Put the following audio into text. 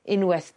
unweth